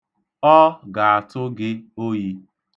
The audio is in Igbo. Ọ ga-atụ gị oyi.